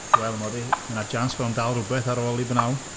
Wel, mod i... ma' 'na jans bod o'n dal rywbeth ar ôl ei bnawn.